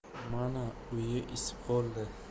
mana uyi isib qoldi